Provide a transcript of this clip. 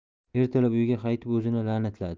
ertalab uyiga qaytib o'zini la'natladi